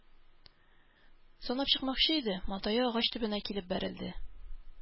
Санап чыкмакчы иде, матае агач төбенә килеп бәрелде.